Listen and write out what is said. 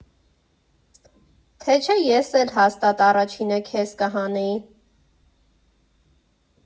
Թե չէ ես էլ հաստատ առաջինը քեզ կհանեի։